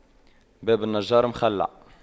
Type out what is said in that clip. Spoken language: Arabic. باب النجار مخَلَّع